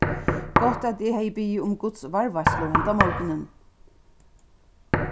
gott at eg hevði biðið um guds varðveitslu henda morgunin